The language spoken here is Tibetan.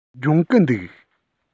སྦྱོང གི འདུག